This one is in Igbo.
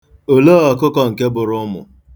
Olee ọkụkọ nke bụrụ ụmụ?